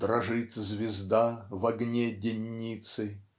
Дрожит звезда в огне денницы